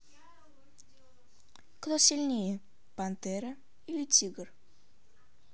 кто сильнее пантера или тигр